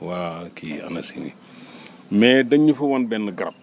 waa kii yi ANACIM yi mais dañ ñu fa wan benn garab